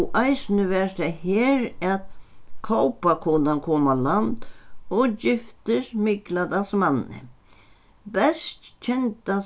og eisini var tað her at kópakonan kom á land og giftist mikladalsmanni best kenda